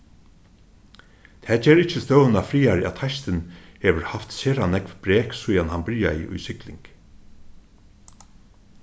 tað ger ikki støðuna frægari at teistin hevur havt sera nógv brek síðani hann byrjaði í sigling